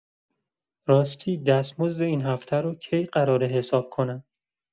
راستی دستمزد این هفته رو کی قراره حساب کنن؟